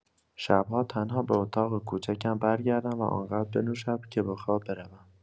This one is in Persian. شب‌ها تنها به اتاق کوچکم برگردم و آنقدر بنوشم که به‌خواب بروم.